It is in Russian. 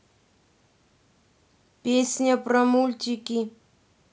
песня про мультики